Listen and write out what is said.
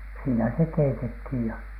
siinä se keitettiin ja